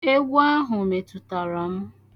Egwu ahụ metutara m.